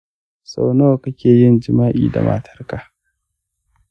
sau nawa kake yin jima’i da matarka?